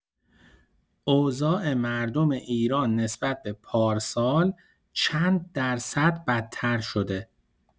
اوضاع مردم ایران نسبت به پارسال چنددرصد بدتر شده؟